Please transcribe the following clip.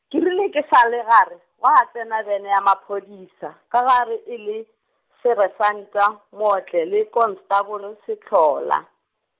ke rile ke sa le gare, gwa tsena bene ya maphodisa, ka gare e le, Sersanta Motle le konstabolo Sehlola.